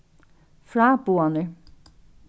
fráboðanir